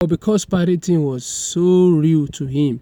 "But because Paddington was so real to him,